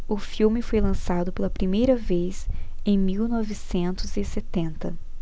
o filme foi lançado pela primeira vez em mil novecentos e setenta